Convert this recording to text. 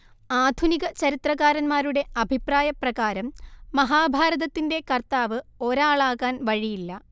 ആധുനിക ചരിത്രകാരന്മാരുടെ അഭിപ്രായപ്രകാരം മഹാഭാരതത്തിന്റെ കർത്താവ്‌ ഒരാളാകാൻ വഴിയില്ല